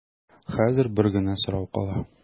Хәзер бер генә сорау кала.